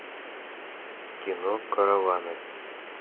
кино караваны